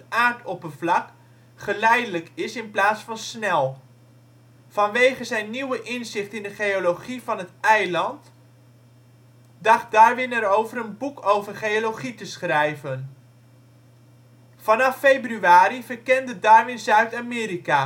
aardoppervlak geleidelijk is in plaats van snel. Vanwege zijn nieuwe inzicht in de geologie van het eiland dacht Darwin erover een boek over geologie te schrijven. Vanaf februari verkende Darwin Zuid-Amerika